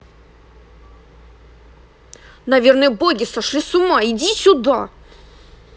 наверное боги сошли с ума иди сюда